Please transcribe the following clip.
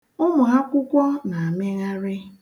Ụmụakwụkwọ na-amịgharị.